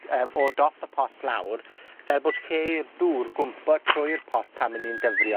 yyym, o dop y pot lawr, fel bod lle i'r dŵr gwympo trwy'r pot pan 'yn ni'n dyfrio.